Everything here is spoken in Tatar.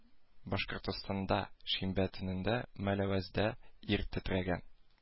Башкортостанда шимбә төнендә мәләвездә ир тетрәгән